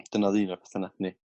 dyna odd un o'r petha natha ni.